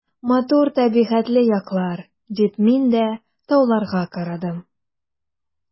Матур табигатьле яклар, — дип мин дә тауларга карадым.